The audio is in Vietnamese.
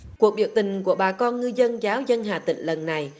cuộc biểu tình của bà con ngư dân giáo dân hà tỉnh lần này